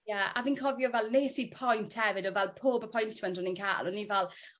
Ia a fi'n cofio fel nes i point hefyd o fal pob appointment o'n i'n ca'l o'n i fal